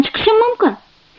chiqishim mumkin